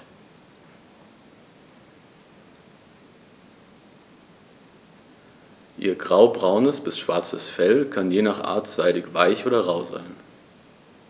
Ihr graubraunes bis schwarzes Fell kann je nach Art seidig-weich oder rau sein.